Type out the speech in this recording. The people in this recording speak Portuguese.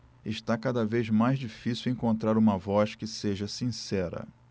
está cada vez mais difícil encontrar uma voz que seja sincera